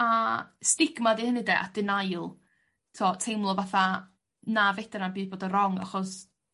A stigma 'dy hynny 'de a denial. T'o' teimlo fatha na fedra'm byd bod y' rong achos